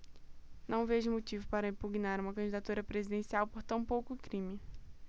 não vejo motivo para impugnar uma candidatura presidencial por tão pouco crime